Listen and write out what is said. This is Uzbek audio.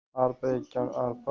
arpa ekkan arpa